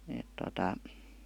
että tuota